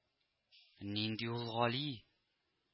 Нинди ул гали